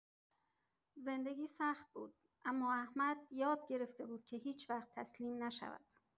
زندگی سخت بود، اما احمد یاد گرفته بود که هیچ‌وقت تسلیم نشود.